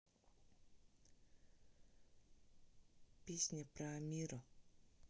песни про амира